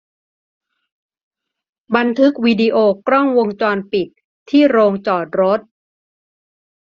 บันทึกวีดีโอกล้องวงจรปิดที่โรงจอดรถ